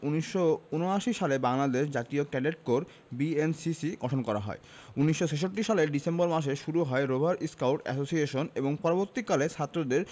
১৯৭৯ সালে বাংলাদেশ জাতীয় cadet corps BNCC গঠন করা হয় ১৯৬৬ সালের ডিসেম্বর মাসে শুরু হয় রোভার স্কাউট অ্যাসোসিয়েশন এবং পরবর্তীকালে ছাত্রীদের